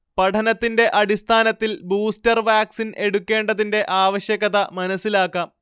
പഠനത്തിന്റെ അടിസ്ഥാനത്തിൽ booster vaccine എടുക്കേണ്ടതിന്റെ ആവശ്യകത മനസ്സിലാക്കാം